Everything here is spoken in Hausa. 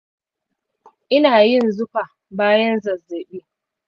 ina yin zufa bayan zazzaɓi